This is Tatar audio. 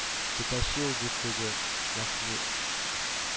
—“хитачи” ул,—дип куйды мәхмү